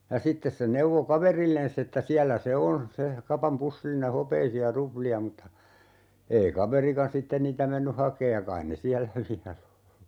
ja sitten se neuvoi kaverilleen että siellä se on se kapan pussillinen hopeisia ruplia mutta ei kaverikaan sitten niitä mennyt hakemaan ja kai ne siellä vielä on